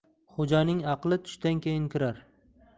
xo'janing aqli tushdan keyin kirar